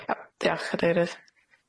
Ia diolch gadeirydd.